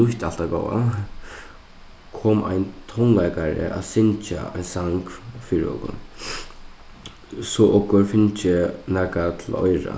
nýtt alt tað góða kom ein tónleikari at syngja ein sang fyri okum so okur fingu nakað til oyrað